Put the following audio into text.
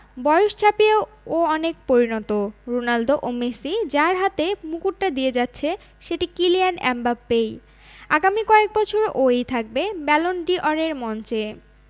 বয়স ছাপিয়েও ও অনেক পরিণত রোনালদো ও মেসি যার হাতে মুকুটটা দিয়ে যাচ্ছে সেটি কিলিয়ান এমবাপ্পেই আগামী কয়েক বছরে ও ই থাকবে ব্যালন ডি অরের মঞ্চে